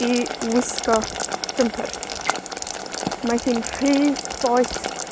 i wisgo jympyr. Mae hi'n rhy boeth